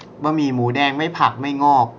บะหมี่หมูแดงไม่ผักไม่งอก